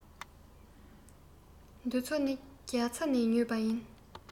འདི ཚོ ནི རྒྱ ཚ ནས ཉོས པ ཡིན